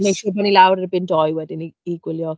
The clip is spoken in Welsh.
Wneud siŵr bod ni lawr erbyn dou wedyn i i gwylio...